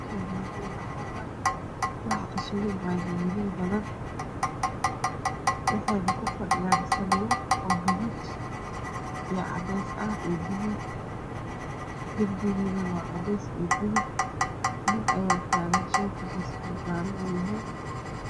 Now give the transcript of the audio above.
Meshani waa mel barxad ah waxaa jooga wiila badan wexey ku fadhiyaan sali gaduud iyo cadees ah dirbiga na waa xadees iyo bulug